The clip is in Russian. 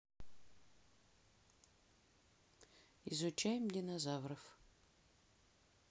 изучаем динозавров